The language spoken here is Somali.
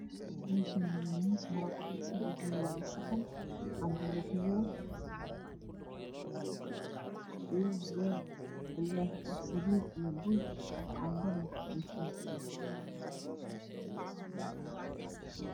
Meeshaan waa miis maro ku fidsan waxaa saaran saxan canbuulo ku jiro iyo weel alwaax ah saliid iyo bun qaandana ku dhex jirta